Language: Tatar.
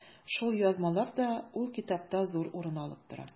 Шул язмалар да ул китапта зур урын алып тора.